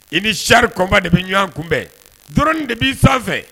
I ni siri kɔnba de bɛ ɲɔgɔn kunbɛn din de b'i sanfɛ